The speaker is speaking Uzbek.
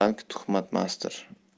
balki tuhmatmasdir